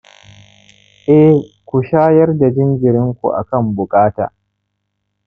eh, ku shayar da jinjirinku akan buƙata